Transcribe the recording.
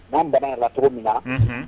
N'an bana la cogo min na